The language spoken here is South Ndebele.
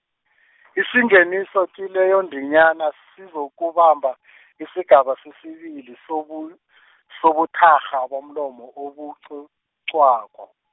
isingeniso kileyondinyana sizokubamba , isigaba sesibili sobu- sobuthakgha bomlomo obucocwako.